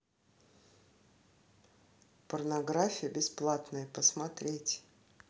порнография бесплатная посмотреть